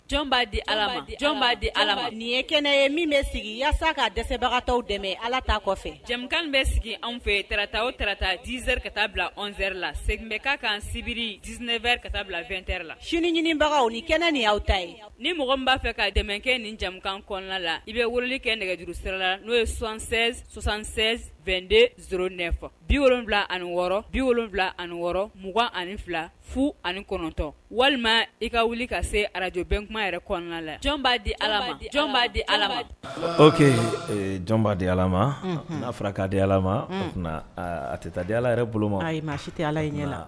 Jɔn b'a di jɔn b'a di ala nin ye kɛnɛ ye min bɛ sigi walasasa k ka dɛsɛbagata dɛmɛ ala ta kɔfɛ jamu bɛ sigi anw fɛ tta o tata dzeri ka taa bila zeri la segin bɛ ka kan sibiri dzeɛrɛ ka taa bila2ɛ la sini ɲinibagaw ni kɛnɛ ni aw ta ye ni mɔgɔ b'a fɛ ka dɛmɛ kɛ nin jamanakan kɔnɔna la i bɛ wuli kɛ nɛgɛjuru sera la n'o ye son sonsansɛ2de s ne bi wolon wolonwula ani wɔɔrɔ bi wolonwula ani wɔɔrɔ mugan ani fila fu ani kɔnɔntɔn walima i ka wuli ka se arajbɛntuma yɛrɛ kɔnɔna la jɔn b'a di ala jɔn b'a di ala jɔnbaa di ala a fara' di ala a tɛta di ala yɛrɛ boloma ayi si tɛ alayi ɲɛ la